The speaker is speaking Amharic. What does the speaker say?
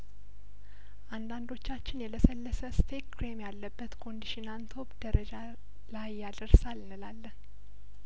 አንዳንዶቻችን የለሰለሰ ስቴክ ክሬም ያለበት ኮንዲሽን ሀን ቶፕ ደረጃ ላይ ያደርሳል እንላለን